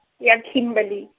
ya Kimberley.